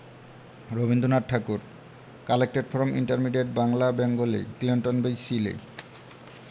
Rabindranath Thakur collected from intermediate Bangla Bengali Clinton B Seely